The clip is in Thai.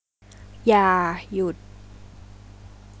อย่าหยุด